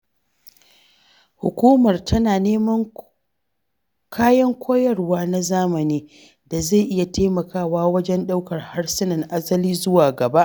Hukumar tana neman kayan koyarwa na zamani da zai iya taimakawa wajen ɗaukar harsunan asali zuwa gaba.